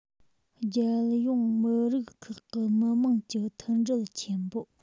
རྒྱལ ཡོངས མི རིགས ཁག གི མི དམངས ཀྱི མཐུན སྒྲིལ ཆེན པོ